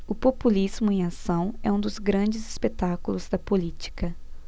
o populismo em ação é um dos grandes espetáculos da política